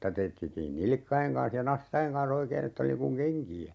niitä teetettiin nilkkojen kanssa ja nastojen kanssa oikein että oli niin kuin kenkiä